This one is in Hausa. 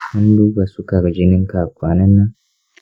an duba sukar jinin ka kwanan nan?